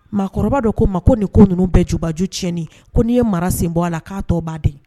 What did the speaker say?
Maakɔrɔba dɔ ko n ma ko nin ko ninnu bɛɛ jubaju tiɲɛni ko n'i ye mara sen bɔ a la k'a tɔ b'a dɛn